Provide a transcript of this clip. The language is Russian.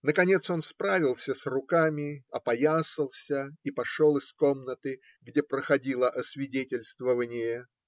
Наконец он справился с рукавами, опоясался и пошел из комнаты, где происходило освидетельствование.